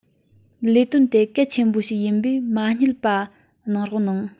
ལས དོན དེ གལ ཆེན པོ ཞིག ཡིན པས མ བསྙེལ བ གནང རོགས གནང